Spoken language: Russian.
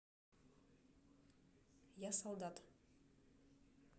я солдат